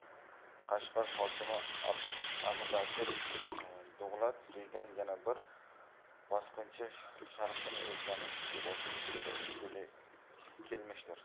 qashqar hokimi abubakir dug'lat degan yana bir bosqinchi sharqdan o'zganning ustiga bostirib kelmishdir